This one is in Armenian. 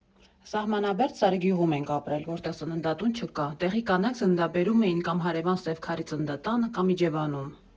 Սահմանամերձ Սարիգյուղում ենք ապրել, որտեղ ծննդատուն չկա, տեղի կանայք ծննդաբերում էին կամ հարևան Սևքարի ծննդատանը, կամ Իջևանում։